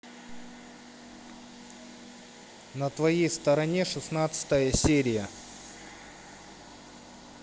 на твоей стороне шестнадцатая серия